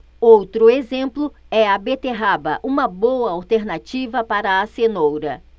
outro exemplo é a beterraba uma boa alternativa para a cenoura